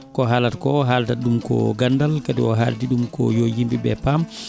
ko haalata ko o haaldata ɗum ko gandal kadi o haaldi ɗum ko yo yimɓeɓe paam